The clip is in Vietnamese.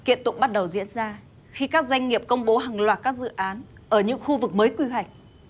kiện tụng bắt đầu diễn ra khi các doanh nghiệp công bố hàng loạt các dự án ở những khu vực mới quy hoạch